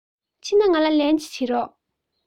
ཕྱིན ན ང ལ ལན བྱིན རོགས